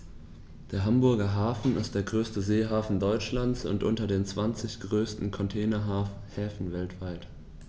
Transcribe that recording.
Der Hamburger Hafen ist der größte Seehafen Deutschlands und unter den zwanzig größten Containerhäfen weltweit.